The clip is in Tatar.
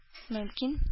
Мөмкин